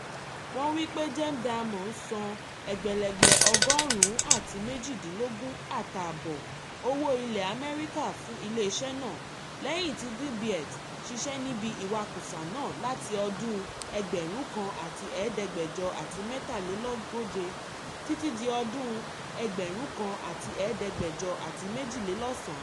Wọ́n wí pé Gem Diamonds san ẹgbẹ̀lẹ́gbẹ̀ 118.5 owó ilẹ̀ Amẹ́ríkà fún ilé-iṣẹ́ náà lẹ́yìn tí De Beers ṣiṣẹ́ níbi ìwakùsà náà láti ọdún 1977 sí ọdún 1982.